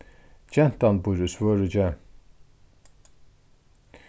gentan býr í svøríki